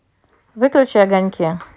выключи огоньки